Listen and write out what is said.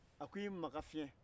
a k'i ma ka fiyɛn